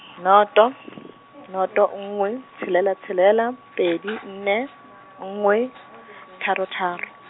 noto, noto nngwe, tshelela tshelela, pedi nne, nngwe, tharo tharo.